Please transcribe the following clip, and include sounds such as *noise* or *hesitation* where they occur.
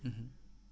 *hesitation* *hesitation*